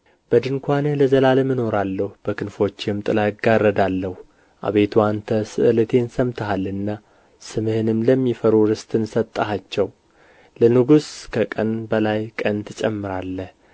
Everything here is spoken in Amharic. በድንኳንህ ለዘላለም እኖራለሁ በክንፎችህም ጥላ እጋረዳለሁ አቤቱ አንተ ስእለቴን ሰምተሃልና ስምህንም ለሚፈሩ ርስትህን ሰጠሃቸው ለንጉሥ ከቀን በላይ ቀን ትጨምራለህ